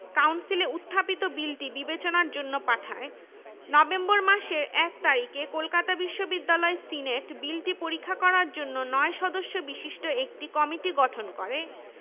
কাউন্সিলে উত্থাপিত বিলটি বিবেচনার জন্য পাঠায় নভেম্বর মাসের ১ তারিখে কলকাতা বিশ্ববিদ্যালয় সিনেট বিলটি পরীক্ষা করার জন্য ৯ সদস্য বিশিষ্ট একটি কমিটি গঠন করে